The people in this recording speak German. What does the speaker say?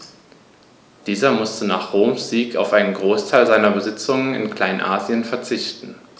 Dieser musste nach Roms Sieg auf einen Großteil seiner Besitzungen in Kleinasien verzichten.